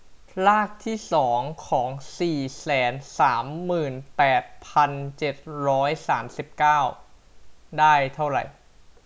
รากที่สองของสี่แสนสามหมื่นแปดพันเจ็ดร้อยสามสิบเก้าได้เท่าไหร่